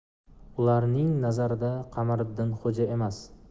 ularning nazarida qamariddin xoja emas